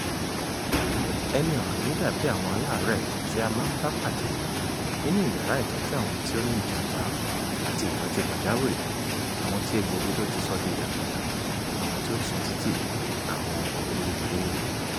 Ẹni ọ̀ràn yìí dà bíi àwọn aláàárẹ̀ tí a máa ń bá pàdé nínú ìyára ìtọ́jú àwọn tí ó ní ìjàmbá àti ìtọ́júu pàjàwìrì – àwọn tí egbògi olóró tí sọ di ìdàkudà, àwọn tí ó ń sun títì, àwọn ogún-lé-mi-dé.